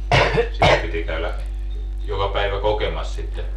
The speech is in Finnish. sitä piti käydä joka päivä kokemassa sitten